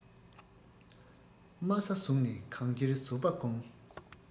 དམའ ས བཟུང ནས གང ཅིར བཟོད པ སྒོམ